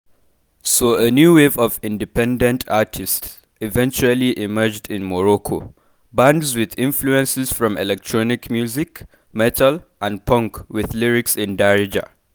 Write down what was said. So a new wave of independent artists eventually emerged in Morocco, bands with influences from electronic music, metal, and punk with lyrics in Darija.